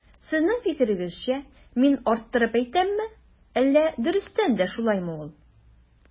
Сезнең фикерегезчә мин арттырып әйтәмме, әллә дөрестән дә шулаймы ул?